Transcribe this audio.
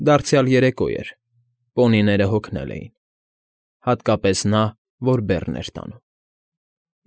Դարձյալ երեկո էր, պոնիները հոգնել էին, հատկապես նա, որ բեռն էր տանում։